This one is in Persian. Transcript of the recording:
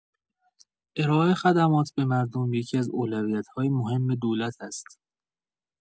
ارائه خدمات به مردم یکی‌از اولویت‌های مهم دولت است.